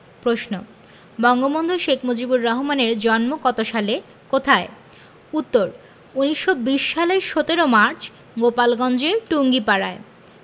প্রশ্ন বঙ্গবন্ধু শেখ মুজিবুর রহমানের জন্ম কত সালে কোথায় উত্তর ১৯২০ সালের ১৭ মার্চ গোপালগঞ্জের টুঙ্গিপাড়ায়